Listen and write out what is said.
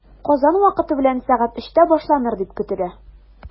Казан вакыты белән сәгать өчтә башланыр дип көтелә.